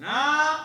Ha